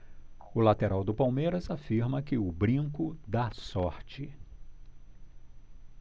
o lateral do palmeiras afirma que o brinco dá sorte